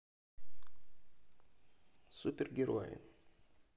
супер герои